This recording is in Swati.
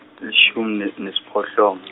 lishumi ne nesiphohlongo.